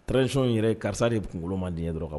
Transition in yɛrɛ karisa de kunkolo man di ye dɔrɔn kama